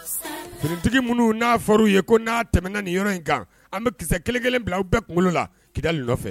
;Dugutigi minnu n'a fɔra u ye, ko n'a tɛmɛna nin yɔrɔ in kan, an bɛ kisɛ kelen kelen bila aw bɛɛ kunkolo la kida nɔfɛ.